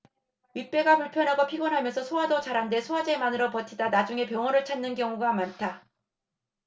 윗배가 불편하고 피곤하면서 소화도 잘 안 돼 소화제만으로 버티다 나중에 병원을 찾는 경우가 많다